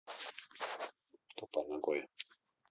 топай ногой